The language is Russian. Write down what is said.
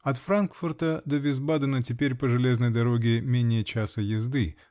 От Франкфурта до Висбадена теперь по железной дороге менее часа езды